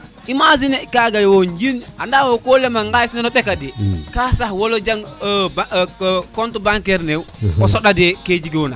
imaginer i kaga yo o njiriñ anda wo ko lema ne xalis meno ɓekaɓe ka sax wala jang ba compte bancaire ne o soɗa de ke jegona